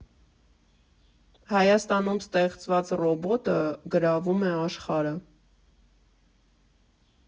Հայաստանում ստեղծված ռոբոտը գրավում է աշխարհը։